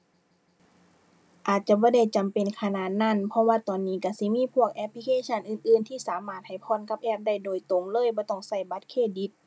อาจจะบ่ได้จำเป็นขนาดนั้นเพราะว่าตอนนี้ก็สิมีพวกแอปพลิเคชันอื่นอื่น ที่สามารถให้ผ่อนกับแอปได้โดยตรงเลย บ่ต้องก็บัตรเครดิต